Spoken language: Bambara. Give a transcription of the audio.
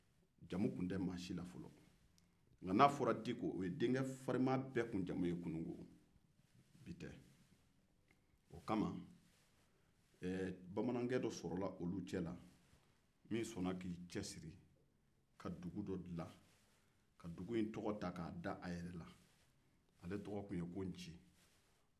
jamu tun tɛ maa si la fɔlɔ denkɛ farinman bɛɛ jamu tun ye dikɔ ye kunungo bamanankɛ dɔ sɔrɔla olu cɛla min sɔnna k'i cɛsiri k'a dugu dɔ dila ka dugu tɔgɔ da yɛrɛ la ale tɔgɔ tun ye ko nci